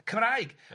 yy Cymraeg.